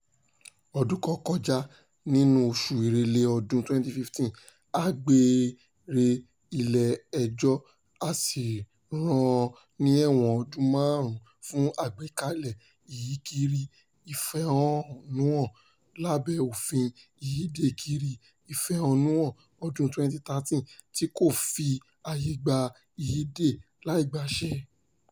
Ọdún kan kọjá, nínú oṣù Èrèlé ọdún 2015, a gbé e re ilé ẹjọ́ a sì rán an ní ẹ̀wọ̀n ọdún márùn-ún fún "àgbékalẹ̀ " ìyíde kiri ìfẹ̀hànnúhàn lábẹ́ òfin ìyíde kiri ìfẹ̀hànnúhàn ọdún 2013 tí kò fi àyè gba ìyíde láìgbàṣẹ.